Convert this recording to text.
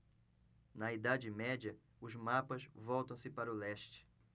na idade média os mapas voltam-se para o leste